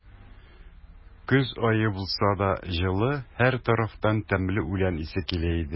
Көз ае булса да, җылы; һәр тарафтан тәмле үлән исе килә иде.